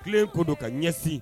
Tilelen ko don ka ɲɛsin